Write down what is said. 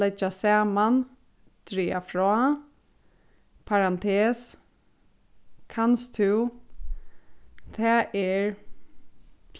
leggja saman draga frá parantes kanst tú tað er